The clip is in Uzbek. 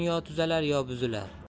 yo tuzalar yo buzilar